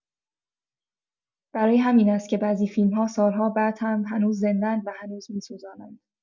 برای همین است که بعضی فیلم‌ها سال‌ها بعد هم هنوز زنده‌اند و هنوز می‌سوزانند.